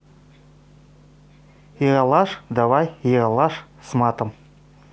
ералаш давай ералаш с матом